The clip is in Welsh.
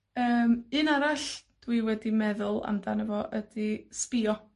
Yym, un arall dwi wedi meddwl amdano fo, ydi sbïo.